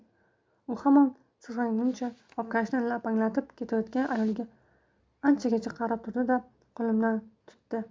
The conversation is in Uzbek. u hamon sirg'angancha obkashini lapanglatib ketayotgan ayolga anchagacha qarab turdi da qo'limdan tutdi